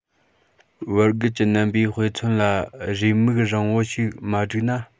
བར བརྒལ གྱི རྣམ པའི དཔེ མཚོན ལ རེའུ མིག རིང པོ ཞིག མ བསྒྲིགས ན